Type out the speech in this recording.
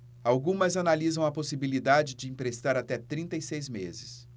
algumas analisam a possibilidade de emprestar até trinta e seis meses